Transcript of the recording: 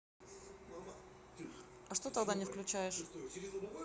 а что тогда не включаешь